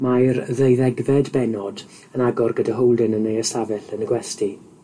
Mae'r ddeuddegfed bennod yn agor gyda Holden y ei ystafell yn y gwesty.